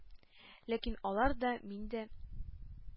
Ләкин алар да, мин дә